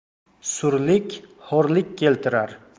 surlik xo'rlik keltirar